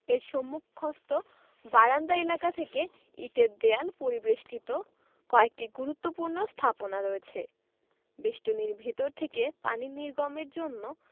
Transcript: এর সম্মুখস্থ বারান্দা এলাকা থেকে ইটের দেয়াল পরিবেষ্টিত কয়েকটি গুরুত্বপূর্ণ স্থাপনা রয়েছে বেষ্টনীর ভিতর থেকে পানি নির্গমের জন্য